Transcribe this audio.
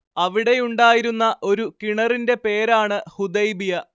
അവിടെയുണ്ടായിരുന്ന ഒരു കിണറിന്റെ പേരാണ്‌ ഹുദൈബിയ